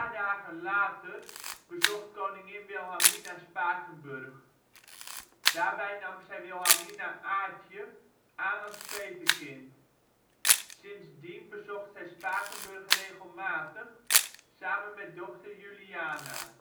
dagen later bezocht koningin Wilhelmina Spakenburg. Daarbij nam zij Wilhelmina Aartje aan als petekind. Sindsdien bezocht zij Spakenburg regelmatig, samen met dochter Juliana